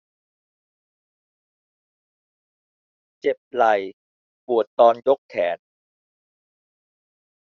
เจ็บไหล่ปวดตอนยกแขน